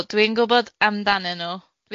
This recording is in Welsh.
Yndw, dwi'n gwbod amdanyn nw.